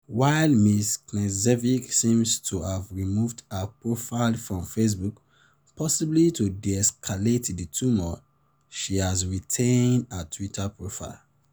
While Ms. Knežević seems to have removed her profile from Facebook, possibly to de-escalate the turmoil, she has retained her Twitter profile.